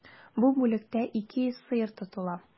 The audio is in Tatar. Бу бүлектә 200 сыер тотыла.